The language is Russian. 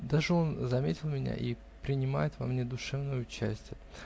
Даже он заметил меня и принимает во мне душевное участие.